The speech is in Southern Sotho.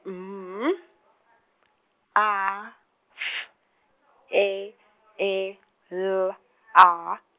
M, A, F, E, E, L, A.